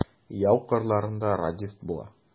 Яу кырларында радист була.